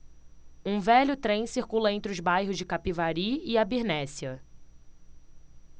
um velho trem circula entre os bairros de capivari e abernéssia